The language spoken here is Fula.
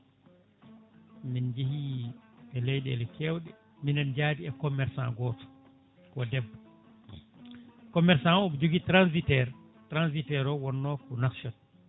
min jeeyi e leyɗele kewɗe minen jaadi e commerçant goto ko debbo commerçant o omo joogui transitaire transitaire o wonno ko Nouakchott